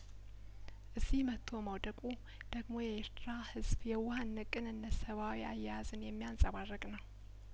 እዚህ መጥቶ መውደቁ ደግሞ የኤርትራ ህዝብ የዋህነት ቅንነት ሰብአዊ አያያዝን የሚያንጸባርቅ ነው